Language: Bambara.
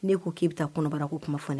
Ne ko k'i bɛ taa kun kɔnɔbara ko kuma fɔ n